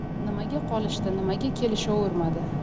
nimaga qolishdi nimaga kelishovurmadi